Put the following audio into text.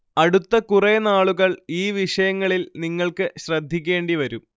അടുത്തകുറെ നാളുകൾ ഈ വിഷയങ്ങളിൽ നിങ്ങൾക്ക് ശ്രദ്ധിക്കേണ്ടി വരും